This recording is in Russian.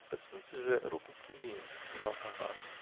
-- Поцелуйте же руку княгини, -- сказал папа.